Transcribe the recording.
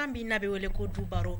K an' labɛn bɛ wele ko du baro